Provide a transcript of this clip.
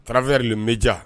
Taraweleri bɛdiya